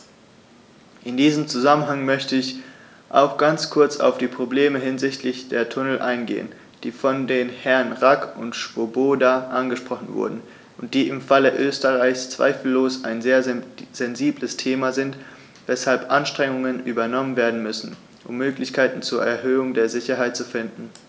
In diesem Zusammenhang möchte ich auch ganz kurz auf die Probleme hinsichtlich der Tunnel eingehen, die von den Herren Rack und Swoboda angesprochen wurden und die im Falle Österreichs zweifellos ein sehr sensibles Thema sind, weshalb Anstrengungen unternommen werden müssen, um Möglichkeiten zur Erhöhung der Sicherheit zu finden.